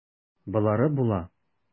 Болары була.